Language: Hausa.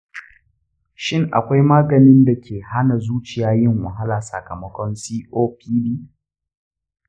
shin akwai maganin da ke hana zuciya yin wahala sakamakon copd?